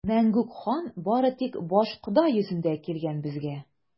Мәңгүк хан бары тик башкода йөзендә килгән безгә!